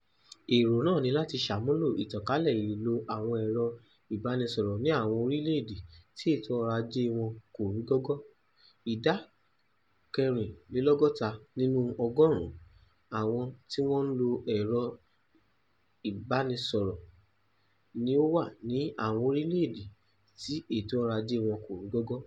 Èrò náà ni láti sàmúlò ìtànkálẹ̀ ìlò àwọn ẹ̀rọ ìbánisọ̀rọ̀ ní àwọn orílẹ́ èdè tí ètò ọ̀rọ̀ ajé wọn kò rú gọ́gọ́ - idá 64 nínú ọgọ́rùn-ún àwọn tí wọ́n ń lo ẹ̀rọ ìbánisọ̀rọ̀ ni ó wà ní àwọn orílẹ́ èdè tí ètò ọrọ̀ ajé wọn kò rú gọ́gọ́.